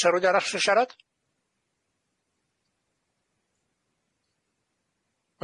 Syrwyd arall i siarad?